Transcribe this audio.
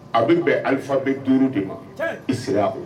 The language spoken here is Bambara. A bɛ bɛn alifa bɛ duuru de ma i sera